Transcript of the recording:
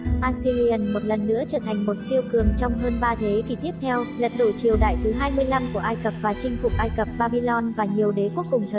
asyrian một lần nữa trở thành một siêu cường trong trong hơn thế kỷ tiếp theo lật đổ triều đại thứ của ai cập và chinh phục ai cập babylon và nhiều đế quốc cùng thời khác